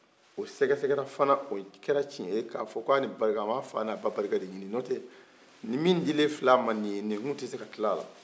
o sɛgɛsɛgɛra fana o kɛra tiɲɛ ye a m'a fa n'a ba barika de ɲini n'o tɛ nin min dilen filɛ a ma nin ye nin tun tese ka tila a la